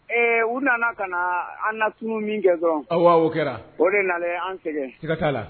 Ee u nana ka na an na fini min kɛ dɔrɔn o kɛra o de na an sɛgɛn se ka t'a la